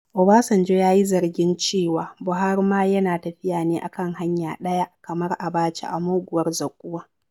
Obasanjo ya yi zargin cewa Buhari ma yana tafiya ne a kan "hanya ɗaya" kamar Abacha "a muguwar zaƙuwa".